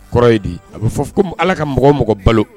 Kɔrɔ ye di a bɛ fɔ ko ala ka mɔgɔ mɔgɔ balo